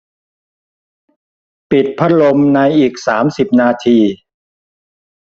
ปิดพัดลมในอีกสามสิบนาที